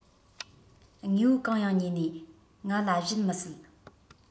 དངོས པོ གང ཡང ཉོ ནས ང ལ བྱིན མི སྲིད